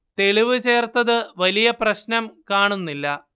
തെളിവ് ചേർത്തത് വലിയ പ്രശ്നം കാണുന്നില്ല